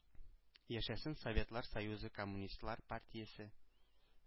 Яшәсен Советлар Союзы Коммунистлар партиясе!